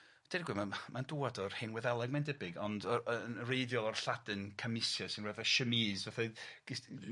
deud y gwir ma' ma'n dŵad o'r hen Wyddeleg mae'n debyg, ond yy yy yn 'reiddiol o'r Lladin camisia sy'n fatha chemise fatha ges- m-